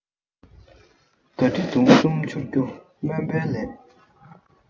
མདའ གྲི མདུང གསུམ འཕྱར རྒྱུ སྨྱོན པའི ལས